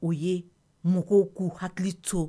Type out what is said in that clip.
O ye mɔgɔw k'u hakili to